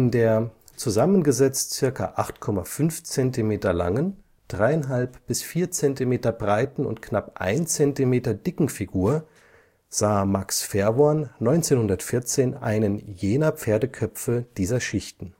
der zusammengesetzt zirka 8,5 cm langen, 3,5 – 4 cm breiten und knapp 1 cm dicken Figur sah Max Verworn 1914 einen jener Pferdeköpfe dieser Schichten